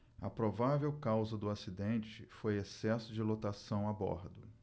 a provável causa do acidente foi excesso de lotação a bordo